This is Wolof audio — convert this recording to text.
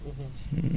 jafewul a am